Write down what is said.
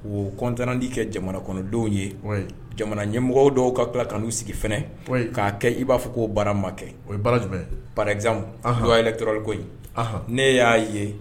O kɔntnan'i kɛ jamana kɔnɔdenw ye jamana ɲɛmɔgɔ dɔw ka tila ka'u sigi k'a kɛ i b'a fɔ ko baara makɛ oz yɛrɛ dɔrɔnliko ne y'a ye